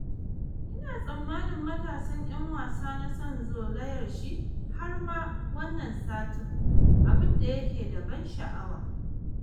"Ina tsammanin matasan ‘yan wasa na son zolayar shi, har ma, wannan satin, abin da yake da ban sha'awa.